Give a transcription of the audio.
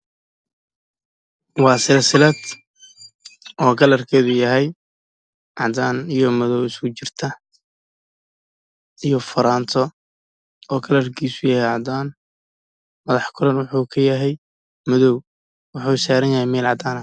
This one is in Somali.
Waa silsilad kalar keedu yahay cadaan iyo madow isku jirta